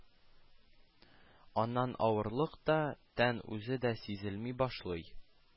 Аннан авырлык та, тән үзе дә сизелми башлый